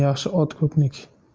yaxshi ot ko'pniki